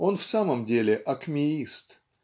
Он в самом деле - акмеист